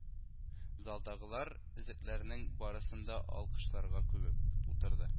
Залдагылар өзекләрнең барысын да алкышларга күмеп утырды